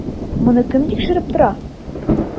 Моны кем тикшереп тора?